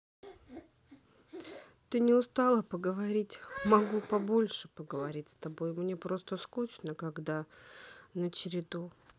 ты не устала поговорить могу побольше поговорить с тобой мне просто скучно когда на череду